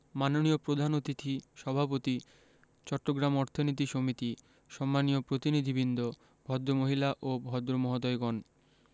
মাননীয় প্রধান অতিথি সভাপতি চট্টগ্রাম অর্থনীতি সমিতি সম্মানীয় প্রতিনিধিবৃন্দ ভদ্রমহিলা ও ভদ্রমহোদয়গণ